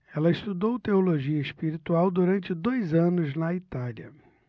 ela estudou teologia espiritual durante dois anos na itália